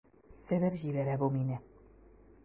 Себер җибәрә бу мине...